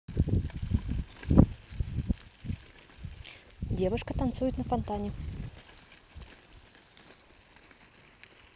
девушка танцует на фонтане